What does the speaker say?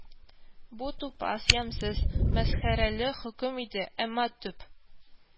Бу – тупас, ямьсез, мәсхәрәле хөкем иде, әмма төп